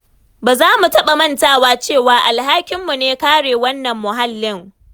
Ba za mu taɓa mantawa cewa alhakinmu ne kare wannan muhallin.